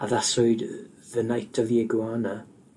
Addaswyd yy The Night of the Iguana